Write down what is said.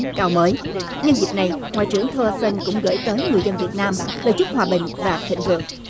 cao mới nhân dịp này ngoại trưởng thô la sân cũng gởi tới người dân việt nam lời chúc hòa bình và thịnh vượng